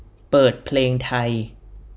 เปิดเพลงไทย